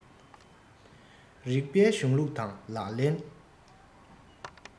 རིགས པའི གཞུང ལུགས དང ལག ལེན